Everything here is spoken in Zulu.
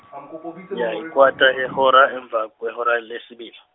ya- yikwata yehora, emva kwehora lesibili.